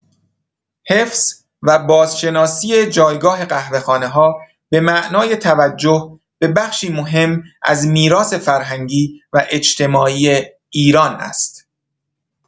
حفظ و بازشناسی جایگاه قهوه‌خانه‌ها، به معنای توجه به بخشی مهم از میراث‌فرهنگی و اجتماعی ایران است.